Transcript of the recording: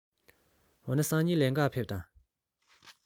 འོ ན སང ཉིན ལེན ག ཕེབས དང